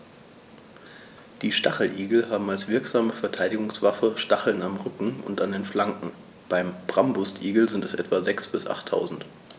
Die Stacheligel haben als wirksame Verteidigungswaffe Stacheln am Rücken und an den Flanken (beim Braunbrustigel sind es etwa sechs- bis achttausend).